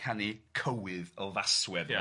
...canu cywydd o faswedd... Ia